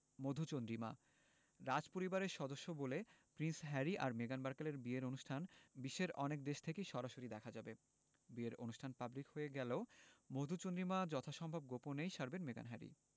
মধুচন্দ্রিমা রাজপরিবারের সদস্য বলে প্রিন্স হ্যারি আর মেগান মার্কেলের বিয়ের অনুষ্ঠান বিশ্বের অনেক দেশ থেকেই সরাসরি দেখা যাবে বিয়ের অনুষ্ঠান পাবলিক হয়ে গেলেও মধুচন্দ্রিমা যথাসম্ভব গোপনেই সারবেন মেগান হ্যারি